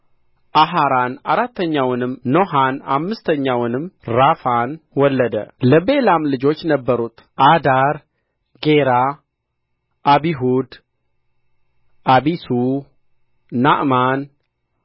አሐራን አራተኛውንም ኖሐን አምስተኛውንም ራፋን ወለደ ለቤላም ልጆች ነበሩት አዳር ጌራ አቢሁድ አቢሱ ናዕማን